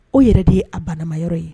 O yɛrɛ de ye a bana yɔrɔ ye